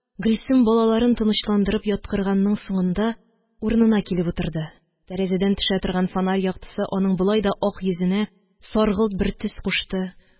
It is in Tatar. Гөлсем, балаларын тынычландырып яткырганның соңында, урынына килеп утырды. Тәрәзәдән төшә торган фонарь яктысы аның болай да ак йөзенә саргылт бер төс кушты